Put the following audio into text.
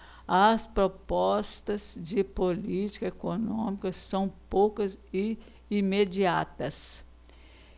as propostas de política econômica são poucas e imediatas